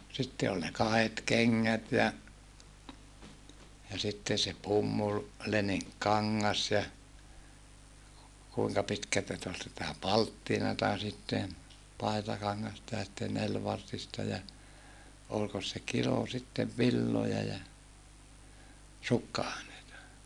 sitten oli ne kahdet kengät ja ja sitten se - leninkikangas ja kuinka pitkältä sitä oli sitä palttinaa sitten paitakangasta ja sitten nelivartista ja olikos se kilo sitten villoja ja sukka-aineita